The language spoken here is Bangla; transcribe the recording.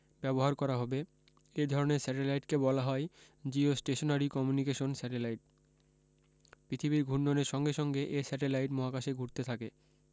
ব্যবহার করা হবে এ ধরনের স্যাটেলাইটকে বলা হয় জিওস্টেশনারি কমিউনিকেশন স্যাটেলাইট পৃথিবীর ঘূর্ণনের সঙ্গে সঙ্গে এ স্যাটেলাইট মহাকাশে ঘুরতে থাকে